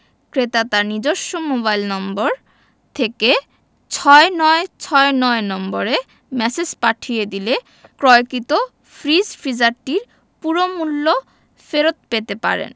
ক্রেতা তার নিজস্ব মোবাইল নম্বর থেকে ৬৯৬৯ নম্বরে ম্যাসেজ পাঠিয়ে দিয়ে ক্রয়কিত ফ্রিজ ফ্রিজারটির পুরো মূল্য ফেরত পেতে পারেন